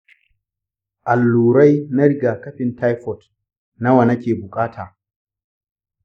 allurai na rigakafin taifoid nawa nake bukata?